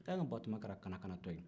ee nka batoma kɛra kana-kanatɔ ye